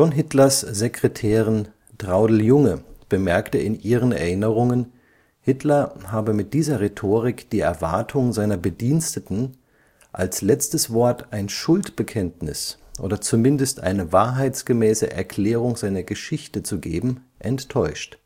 Hitlers Sekretärin Traudl Junge bemerkte in ihren Erinnerungen, Hitler habe mit dieser Rhetorik die Erwartung seiner Bediensteten, als letztes Wort ein Schuldbekenntnis oder zumindest eine wahrheitsgemäße Erklärung seiner Geschichte zu geben, enttäuscht